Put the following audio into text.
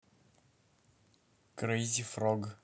крейзи фрог